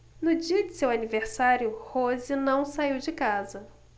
no dia de seu aniversário rose não saiu de casa